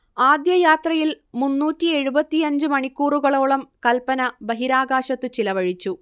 ആദ്യയാത്രയിൽ മുന്നൂറ്റിയെഴുപത്തിയഞ്ച് മണിക്കൂറുകളോളം കൽപന ബഹിരാകാശത്തു ചിലവഴിച്ചു